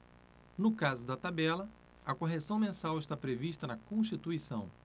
no caso da tabela a correção mensal está prevista na constituição